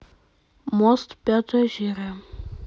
мост пятая серия